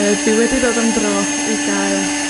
yy, dwi wedi dod am dro i gael